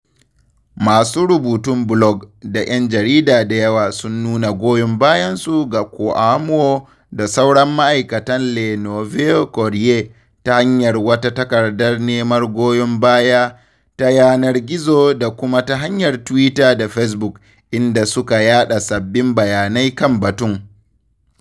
Masu rubutun blog da ‘yan jarida da yawa sun nuna goyon bayansu ga Kouamouo da sauran ma’aikatan Le Nouveau Courrier ta hanyar wata takardar neman goyon baya ta yanar gizo da kuma ta hanyar Twitter da Facebook, inda suka yaɗa sabbin bayanai kan batun.